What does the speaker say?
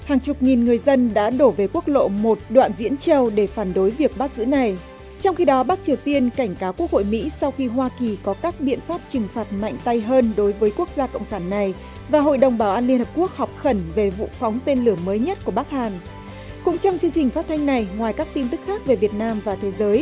hàng chục nghìn người dân đã đổ về quốc lộ một đoạn diễn châu để phản đối việc bắt giữ này trong khi đó bắc triều tiên cảnh cáo quốc hội mỹ sau khi hoa kỳ có các biện pháp trừng phạt mạnh tay hơn đối với quốc gia cộng sản này và hội đồng bảo an liên hiệp quốc họp khẩn về vụ phóng tên lửa mới nhất của bắc hàn cũng trong chương trình phát thanh này ngoài các tin tức khác về việt nam và thế giới